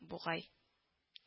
Бугай